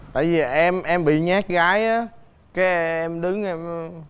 tại vì em em bị nhát gái á cái em đứng em